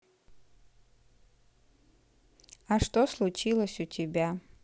а что случилось у тебя